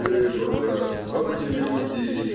- Э, брат, кабы не люди.